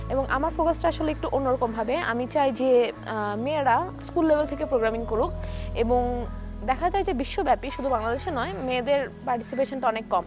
আমার ফোকাস টা আসলে একটু অন্যরকম আমি চাই যে মেয়েরা স্কুল লেভেল থেকে প্রোগ্রামিং করুক এবং দেখা যায় যে বিশ্বব্যাপী শুধু বাংলাদেশী নয় মেয়েদের পার্টিসিপেশন টা অনেক কম